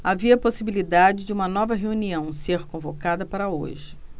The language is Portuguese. havia possibilidade de uma nova reunião ser convocada para hoje